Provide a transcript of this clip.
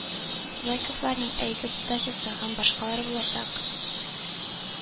Зайковларның әйге дачасы һәм башкалар булачак